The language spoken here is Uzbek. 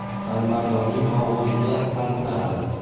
alimardonning og'ushida talpinardi